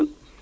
d' accord